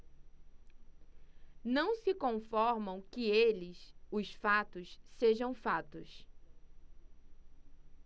não se conformam que eles os fatos sejam fatos